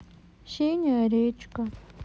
синяя река